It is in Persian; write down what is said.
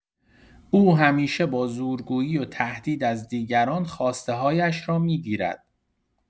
او همیشه با زورگویی و تهدید از دیگران خواسته‌هایش را می‌گیرد.